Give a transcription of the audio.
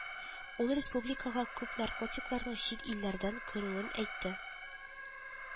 Ул республикага күп наркотикларның чит илләрдән керүен әйтте